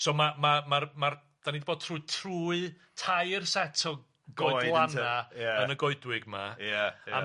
So, ma' ma' ma'r ma'r 'dan ni 'di bod trwy trwy tair set o goedlanna... Ia. ...y goedwig yma. Ia ia.